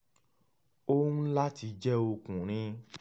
Ó ń láti jẹ́ ọkùnrin.